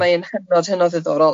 ...mae e'n hynod hynod ddiddorol.